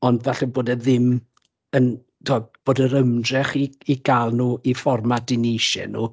ond falle bod e ddim yn... tibod bod yr ymdrech i i gael nhw i fformat 'y ni isie nhw